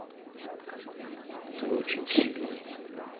ты очень сильный